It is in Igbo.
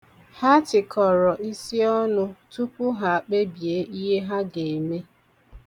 Ha tikọrọ isi ọnụ tupu ha kpebie ihe ha ga-eme.